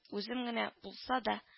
Үзем генә булса да